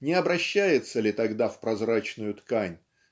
не обращается ли тогда в прозрачную ткань